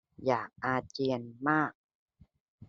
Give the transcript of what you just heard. อยากอาเจียนมาก